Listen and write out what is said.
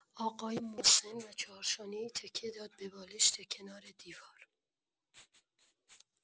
آقای مسن و چهارشانه‌ای تکیه داد به بالشت کنار دیوار.